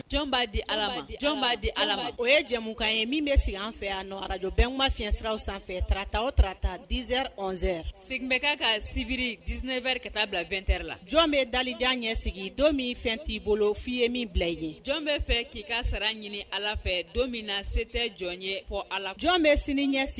Di di ala o ye jɛmukan ye min bɛ sigi an fɛ araj bɛnma fi fiɲɛyɛn siraraw sanfɛ tarata o tata diz segin bɛ ka ka sibiri ds wɛrɛ ka taa bila2te la jɔn bɛ dalijan ɲɛ sigi don min fɛn t'i bolo f'i ye min bila i ye jɔn bɛ fɛ k'i ka sara ɲini ala fɛ don min na se tɛ jɔn ye fɔ a jɔn bɛ sini ɲɛsin